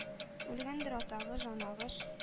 Үлгәндер атагыз, анагыз,